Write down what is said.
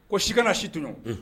Ko si kana si tɔɲɔ, unh